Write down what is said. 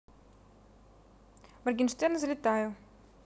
моргенштерн залетаю